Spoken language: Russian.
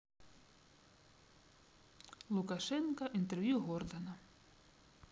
лукашенко интервью гордона